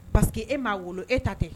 E m'a wolo e ta kɛ